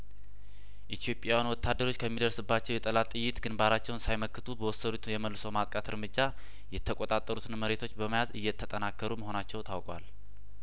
ኢትዮጵያውኑ ወታደሮች ከሚደርስባቸው የጠላት ጥይት ግንባ ራቸውን ሳይመክቱ በወሰዱት የመልሶ ማጥቃት እርምጃ የተቆጣጠሩትን መሬቶች በመያዝ እየተጠናከሩ መሆናቸው ታውቋል